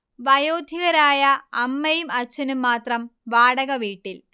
വയോധികരായ അമ്മയും അച്ഛനും മാത്രം വാടക വീട്ടിൽ